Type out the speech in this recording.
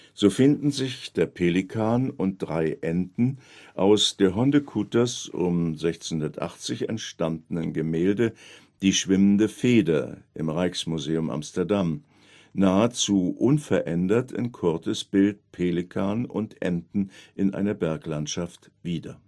So finden sich der Pelikan und drei Enten aus de Hondecoeters um 1680 entstandenen Gemälde Die schwimmende Feder (Rijksmuseum Amsterdam) nahezu unverändert in Coortes Bild Pelikan und Enten in einer Berglandschaft wieder